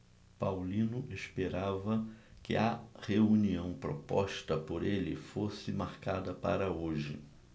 paulino esperava que a reunião proposta por ele fosse marcada para hoje